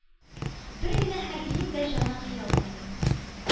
Бер генә хәрбинең дә җаны кыелмый.